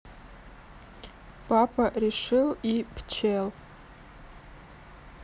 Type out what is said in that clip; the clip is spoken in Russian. папа решил и пчел